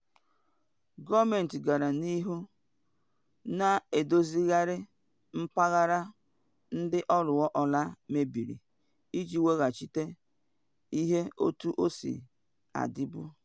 Gọọmentị gara n’ihu na edozigharị mpaghara ndị ọlụọ ọlaa mebiri iji weghachite ihe otu o si adịbu.